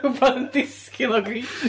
wbath yn disgyn lawr grisiau!